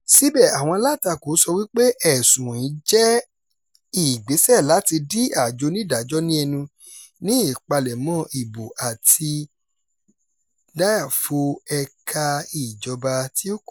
Síbẹ̀, àwọn alátakò sọ wípé ẹ̀sùn wọ̀nyí jẹ́ ìgbésẹ̀ láti di àjọ onídàájọ́ ní ẹnu ní ìpalẹ̀mọ́ ìbò, àti dáyàfo ẹ̀ka ìjọba tí ó kù.